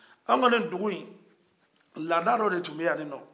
an ka nin dugu in laada dɔ de tu bɛ y'annɔ